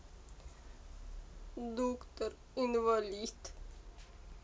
доктор инвалид